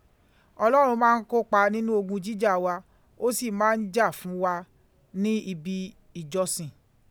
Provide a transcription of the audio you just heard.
Ọlọ́run mà ń kópa nínú ogun jíjà wa, ó sì má ń jà fún wa ní ibi ìjọsìn.